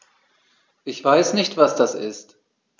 Ich weiß nicht, was das ist.